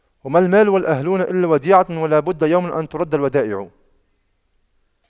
وما المال والأهلون إلا وديعة ولا بد يوما أن تُرَدَّ الودائع